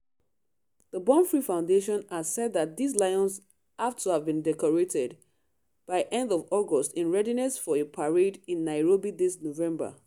The Born Free Foundation has said that these lions have to have been decorated by end of August in readiness for a parade in Nairobi this November.